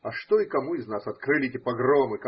А что и кому из нас открыли эти погромы.